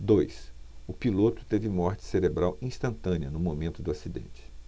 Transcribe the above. dois o piloto teve morte cerebral instantânea no momento do acidente